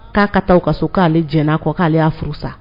K'a ka taa aw ka so k'ale jɛ a kɔ k'ale y'a furu san